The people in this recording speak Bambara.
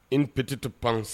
I pti tɛ pan